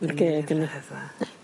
Ma'r geg yna...